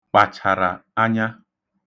kpàchàrà anya